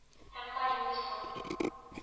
Әмма инде соң